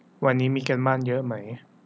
วันนี้มีการบ้านเยอะไหม